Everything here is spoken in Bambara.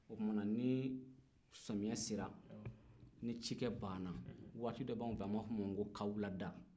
o tumana ni samiya sera ni cikɛ banna waati dɔ b'an fɛ an b'a f'o ma ko kawulada